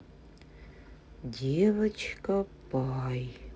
девочка пай